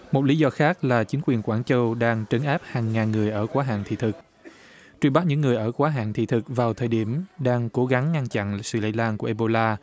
một lý do khác là chính quyền quảng châu đang trấn áp hàng ngàn người ở quá hạn thị thực truy bắt những người ở quá hạn thị thực vào thời điểm đang cố gắng ngăn chặn sự lây lan của ê bô la